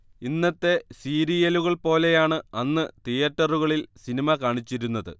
ഇന്നത്തെ സീരിയലുകൾ പോലെയാണ് അന്ന് തിയറ്റരുകളിൽ സിനിമ കാണിച്ചിരുന്നത്